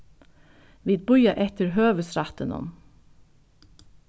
vit bíða eftir høvuðsrættinum